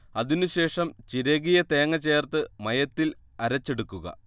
അതിനുശേഷം ചിരകിയ തേങ്ങ ചേർത്ത് മയത്തിൽ അരച്ചെടുക്കുക